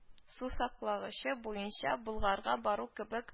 Сусаклагычы буенча болгарга бару кебек